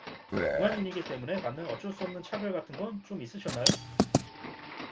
동양인이기 때문에 받는 어쩔 수 없는 차별 같은 건 좀 있으셨나요